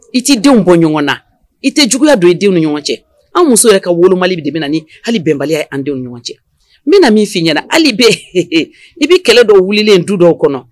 I t'i denw bɔ ɲɔgɔn na i tɛ juguya don i denw ni ɲɔgɔn cɛ anw musow yɛrɛ ka wolomali de bɛna ni hali bɛnbaliya ye an denw ni ɲɔgɔn cɛ n bɛna min f'i ɲɛna hali bee ehehe i b'i kɛlɛ dɔw wulilen ye du dɔw kɔnɔ